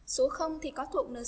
số thì có thuộc